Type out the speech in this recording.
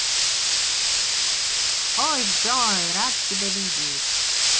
о джой рад тебя видеть